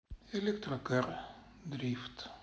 электрокар дрифт